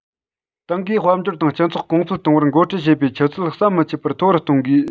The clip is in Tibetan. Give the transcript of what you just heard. ཏང གིས དཔལ འབྱོར དང སྤྱི ཚོགས གོང སྤེལ གཏོང བར འགོ ཁྲིད བྱེད པའི ཆུ ཚད ཟམ མི ཆད པར མཐོ རུ གཏོང དགོས